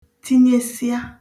tinyesịa